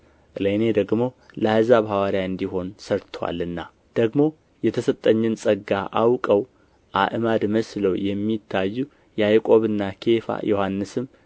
ለእኔ ደግሞ ለአሕዛብ ሐዋርያ እንድሆን ሠርቶአልና ደግሞ የተሰጠኝን ጸጋ አውቀው አዕማድ መስለው የሚታዩ ያዕቆብና ኬፋ ዮሐንስም